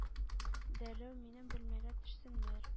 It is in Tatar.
Дәррәү минем бүлмәгә төшсеннәр!